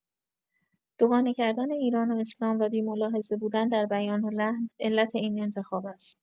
دوگانه کردن ایران و اسلام و بی‌ملاحظه بودن دربیان و لحن، علت این انتخاب است.